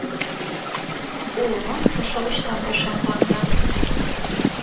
Ул моң Кушлавычтан башланган да